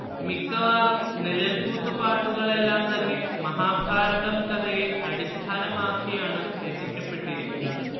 മിക്കവാറും നിഴൽക്കൂത്തുപാട്ടുകളെല്ലാം തന്നെ മഹാഭാരതം കഥയെ അടിസ്ഥാനമാക്കിയാണു രചിക്കപ്പെട്ടിരിക്കുന്നത്